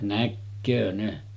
näkee ne